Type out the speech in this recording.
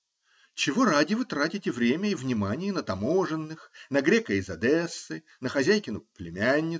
Чего ради вы тратите время и внимание на таможенных, на грека из Одессы, на хозяйкину племянницу?